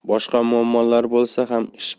boshqa muammolari bo'lsa ham ish